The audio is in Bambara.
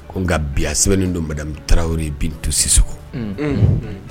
Ko nga bi a sɛbɛnnen don madame Traore Bintou Sissoko unhun